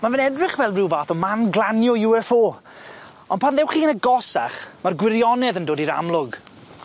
Ma' fe'n edrych fel ryw fath o man glanio You Eff O. On' pan ddewch chi yn agosach, ma'r gwirionedd yn dod i'r amlwg.